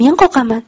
men qoqaman